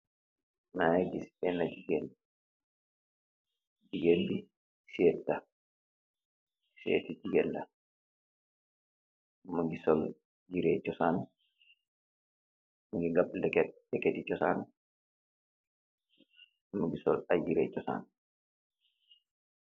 maageh gis benna jiggéen jigeen bi seet la seeti jiggéen la mungi sol yireh chosaan mungi ngop lekket lekketi chosan mungi soll ay yiree chosaan.